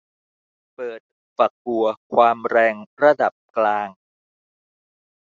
เปิดฝักบัวความแรงระดับกลาง